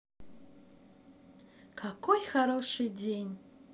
какой хороший день